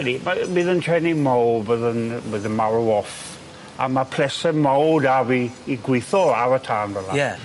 Ydi, ma' yy bydd yn treni mowr fydd yn fydd yn marw off, a ma' pleser mowr 'da fi i gwitho ar y tân fel 'a. Ie.